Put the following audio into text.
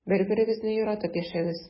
Бер-берегезне яратып яшәгез.